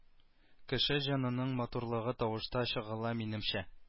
Кеше җанының матурлыгы тавышта чагыла минемчә